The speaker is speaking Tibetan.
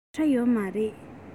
ཡོད མ རེད